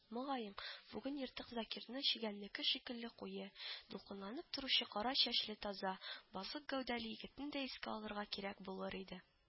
Мөгаен, бүген ертык закирны, чегәннеке шикелле куе, дулкынланып торучы кара чәчле, таза, базык гәүдәле егетне дә искә алырга кирәк булыр иде